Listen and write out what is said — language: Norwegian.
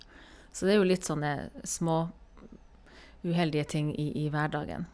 Så det er jo litt sånne småuheldige ting i i hverdagen.